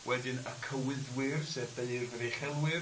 Wedyn y Cywyddwyr, sef Beirdd yr Uchelwyr.